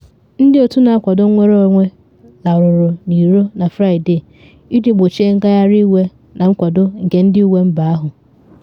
Ndị otu na akwado nnwere onwe larụrụ n’ilo na Fraịde iji gbochie ngagharị iwe na nkwado nke ndị uwe mba ahụ.